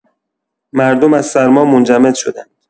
مردم از سرما منجمد شدند.